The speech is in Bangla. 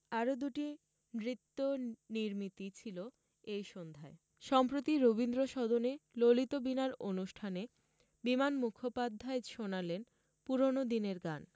আরও দুটি নৃত্যনির্মিতি ছিল এই সন্ধ্যায় সম্প্রতি রবীন্দ্রসদনে ললিত বীণার অনুষ্ঠানে বিমান মুখোপাধ্যায় শোনালেন পুরনো দিনের গান